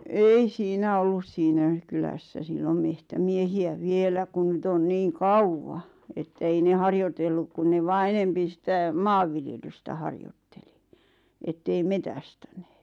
ei siinä ollut siinä kylässä silloin metsämiehiä vielä kun nyt on niin kauan että ei ne harjoitellut kun ne vain enempi sitä maanviljelystä harjoitteli että ei metsästänyt